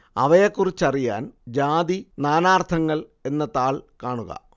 അവയെക്കുറിച്ചറിയാൻ ജാതി നാനാർത്ഥങ്ങൾ എന്ന താൾ കാണുക